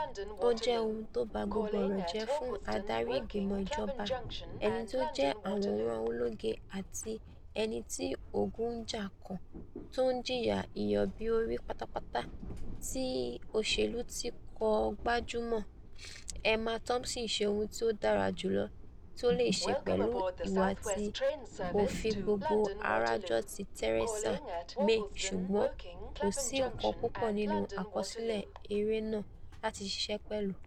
Ó jẹ́ ohun tóba gbogbo ọ̀rọ̀ jẹ́ fún adarí ìgbìmọ̀ ìjọbà ẹnití ó jẹ́ àwòrán ológe àti ẹnití ogun ńjà kan, tó ńjìyà ìyọ́bí-òrí pátápátá ti òṣèlú tíkò gbajúmọ̀: Emma Thompson ṣe ohun tí ó dára jùlọ tí o leè ṣe pẹ́lù ìwà tí kòfi-gbogbo-arajọti-Teresa-May ṣùgbọ́n kòsí nǹkan púpọ̀ nínú àkọsílẹ̀ eré náà láti ṣiṣ̵ẹ́ pẹ̀lú.